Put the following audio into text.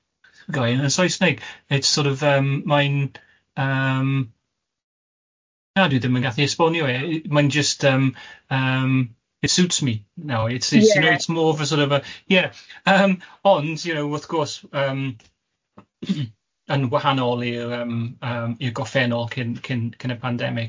Go on yn Saesneg, it's sort of yym mae'n yym na dwi ddim yn gallu esbonio e, mae'n jyst yym yym it suits me now it's it's you know it's more of a sort of a ie yym ond you know wrth gwrs yym yn wahanol i'r yym yym i'r goffennol cyn cyn cyn y pandemic.